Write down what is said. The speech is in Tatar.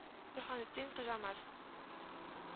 Борһанеттин Коҗамаз